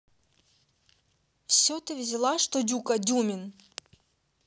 все ты взяла что дюка дюмин